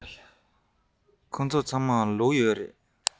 ཁྱེད ཚོ ཚང མར ལུག ཡོད རེད